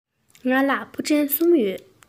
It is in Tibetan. ང ལ ཕུ འདྲེན གསུམ ཡོད